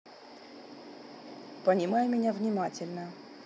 понимай меня внимательно